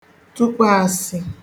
tụkpō āsị̄